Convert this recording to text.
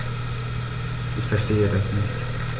Ich verstehe das nicht.